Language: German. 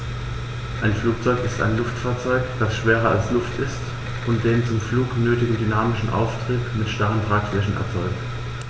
Ein Flugzeug ist ein Luftfahrzeug, das schwerer als Luft ist und den zum Flug nötigen dynamischen Auftrieb mit starren Tragflächen erzeugt.